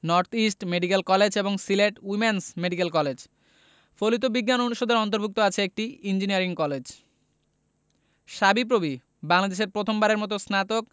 north East medical college এবং Sylhet women's medical college ফলিত বিজ্ঞান অনুষদের অন্তর্ভুক্ত আছে একটি ইঞ্জিনিয়ারিং কলেজ সাবিপ্রবি বাংলাদেশে প্রথম বারের মতো স্নাতক